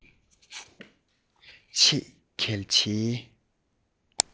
ཆེས གལ ཆེའི